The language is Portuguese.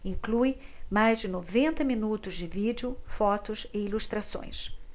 inclui mais de noventa minutos de vídeo fotos e ilustrações